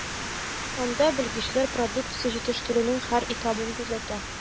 Анда белгечләр продукция җитештерүнең һәр этабын күзәтә.